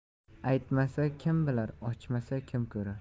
aytmasa kim bilar ochmasa kim ko'rar